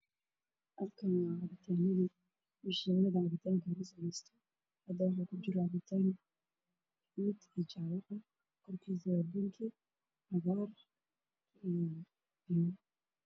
Waa labo koob waxaa ku jira cabitaanno